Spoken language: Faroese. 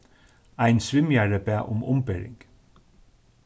ein svimjari bað um umbering